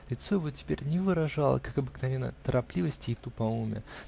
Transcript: Лицо его теперь не выражало, как обыкновенно, торопливости и тупоумия